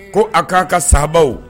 Ko a k'a ka saabaw